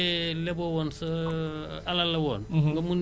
ñu jox la nga mën tàmbali lenn bu dee da nga leboon bor nga fayi ko